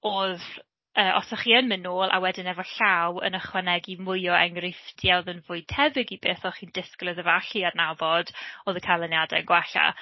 Oedd yy... os o'ch chi yn mynd nôl a wedyn efo llaw, yn ychwanegu mwy o enghreifftiau oedd yn fwy tebyg i beth o'ch chi'n disgwyl iddo fe allu adnabod, oedd y canlyniadau yn gwella.